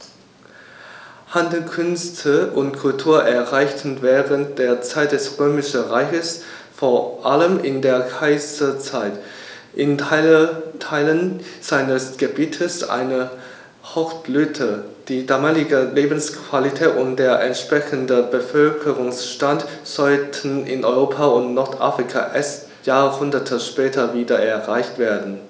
Handel, Künste und Kultur erreichten während der Zeit des Römischen Reiches, vor allem in der Kaiserzeit, in Teilen seines Gebietes eine Hochblüte, die damalige Lebensqualität und der entsprechende Bevölkerungsstand sollten in Europa und Nordafrika erst Jahrhunderte später wieder erreicht werden.